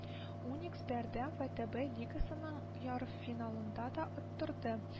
УНИКС Бәрдәм ВТБ Лигасының ярфиналында да оттырды